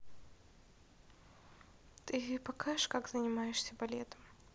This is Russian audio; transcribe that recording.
ты покажешь как ты занимаешься балетом